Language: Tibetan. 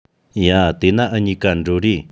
ཡ དེ ན འུ གཉིས ཀ འགྲོ རིས